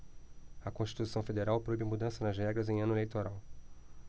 a constituição federal proíbe mudanças nas regras em ano eleitoral